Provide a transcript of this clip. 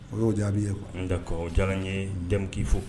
O y'o jaabi ye quoi . D'accord o diyara n ye Dɛm k'i fo